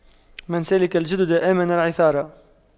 من سلك الجدد أمن العثار